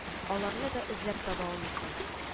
Аларны да эзләп таба алмыйсың